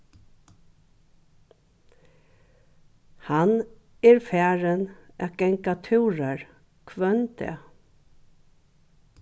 hann er farin at ganga túrar hvønn dag